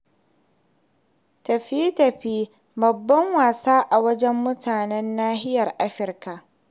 Tafiye-tafiye: Babban wasa a wajen mutanen nahiyar Afirka